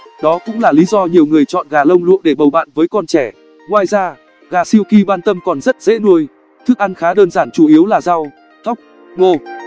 đó cũng là lý do nhiều người chọn gà lông lụa để bầu bạn với con trẻ ngoài ra gà silkie bantam còn rất dễ nuôi thức ăn khá đơn giản chủ yếu là rau thóc ngô